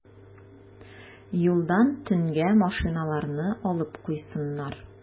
Юлдан төнгә машиналарны алып куйсыннар.